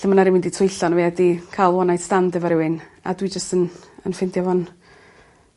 Lle ma' 'na rywun 'di twyllo arno fi a 'di ca'l one night stand efo rywun a dwi jyst yn yn ffindio fo'n